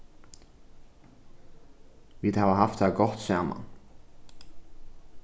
vit hava havt tað gott saman